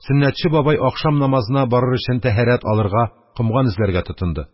Сөннәтче бабай, ахшам намазына барыр өчен, тәһарәт алырга комган эзләргә тотынды.